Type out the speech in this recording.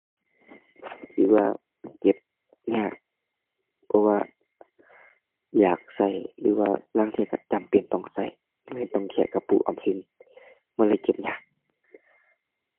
คิดว่าเก็บยาก เพราะว่าอยากใช้หรือว่าลางเที่ยใช้จำเป็นต้องใช้ ทำให้ต้องแคะกระปุกออมสิน มันเลยเก็บยาก